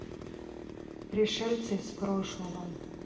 пришельцы из прошлого